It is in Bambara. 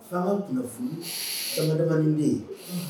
Fa tun furubanin bɛ yen